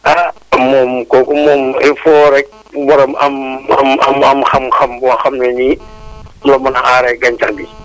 ah moom kooku moom il faut rek borom am borom am mu am xam-xam boo xam ne nii joo mën a aaree gàncax gi